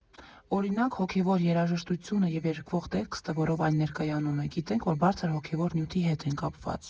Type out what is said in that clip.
Օրինակ՝ հոգևոր երաժշտությունը և երգվող տեքստը, որով այն ներկայանում է՝ գիտենք, որ բարձր հոգևոր նյութի հետ են կապված։